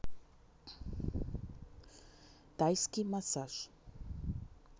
тайский массаж